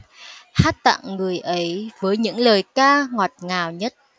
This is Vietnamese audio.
hát tặng người ấy với những lời ca ngọt ngào nhất